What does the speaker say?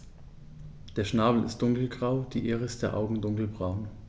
Der Schnabel ist dunkelgrau, die Iris der Augen dunkelbraun.